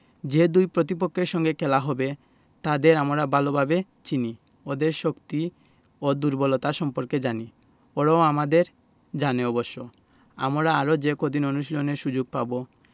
যে দুই প্রতিপক্ষের সঙ্গে খেলা হবে তাদের আমরা ভালোভাবে চিনি ওদের শক্তি ও দুর্বলতা সম্পর্কে জানি ওরাও আমাদের জানে অবশ্য আমরা আরও যে কদিন অনুশীলনের সুযোগ পাব